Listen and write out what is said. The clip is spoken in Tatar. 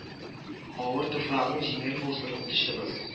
Авыр туфрагың җиңел булсын укытучыбыз